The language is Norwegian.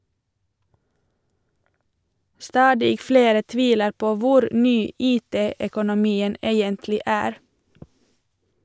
Stadig flere tviler på hvor "ny" IT-økonomien egentlig er.